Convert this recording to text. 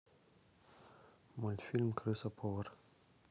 мультфильм крыса повар